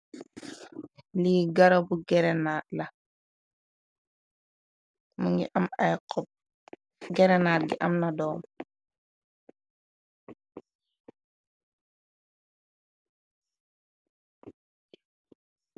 Lii garabu gerenat la mu ngi am ay xob gerenaar gi amna doom.